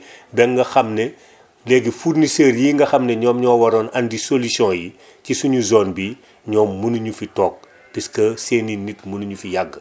ba nga xam ne léegi fournisseurs yi nga ne ñoom ñoo waroon andi solution yi ci suñu zone bii ñoom mënuñu fi toog puisque seen i nit mënuñu fi yàgg